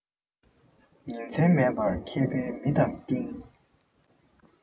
ཉིན མཚན མེད པར མཁས པའི མི དང བསྟུན